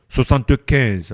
Sosan tɛ kɛ